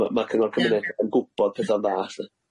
A ma' ma' Cyngor cymuned yn gwbod petha'n dda lly.